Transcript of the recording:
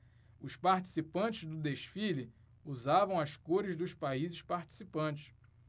os participantes do desfile usavam as cores dos países participantes